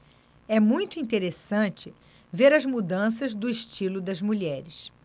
é muito interessante ver as mudanças do estilo das mulheres